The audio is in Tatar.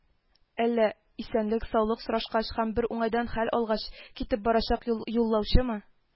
Әллә, исәнлек-саулык сорашкач һәм бер уңайдан хәл алгач, китеп барачак юл юлаучымы